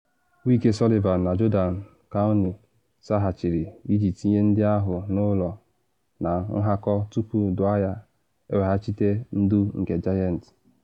Mike Sullivan na Jordan Cownie saghachiri iji tinye ndị ahụ n’ụlọ na nhakọ tupu Dwyer eweghachite ndu nke Giants.